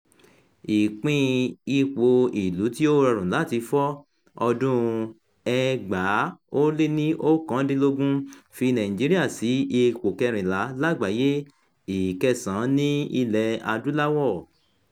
Ìpín ipò Ìlú tí ó rọrùn láti fọ́ ọdún-un 2019 fi Nàìjíríà sí ipò kẹrìnlá lágbàáyé, ìkẹsàn-án ní Ilẹ̀-Adúláwọ̀.